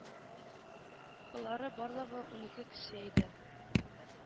Болары барлыгы унике кеше иде